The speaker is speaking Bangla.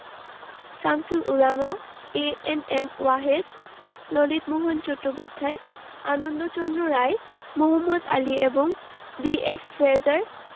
শামসুল উলামা এ.এন.এম ওয়াহেদ ললিতমোহন চট্টোপাধ্যায় আনন্দচন্দ্র রায় মোহাম্মদ আলী এবং ডি.এস. ফ্রেজার